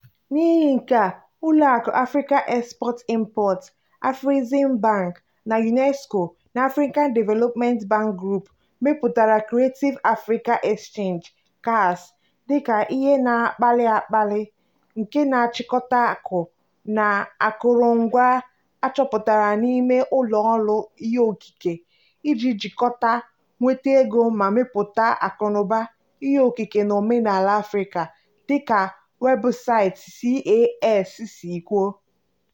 N'ihi nke a, ụlọ akụ Africa Export-Import (Afreximbank) na UNESCO na African Development Bank Group, mepụtara Creative Africa Exchange (CAX) dị ka "ihe na-akpali akpali nke na-achịkọta akụ na akụrụngwa achọpụtara n'ime ụlọ ọrụ ihe okike" iji jikọta, nweta ego ma metụta akụnụba ihe okike na omenala Africa, dịka weebụsaịtị CAX si kwuo.